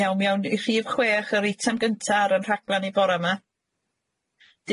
Iawn mi awn ni i rhif chwech yr eitam gynta ar 'yn rhaglan ni bora 'ma.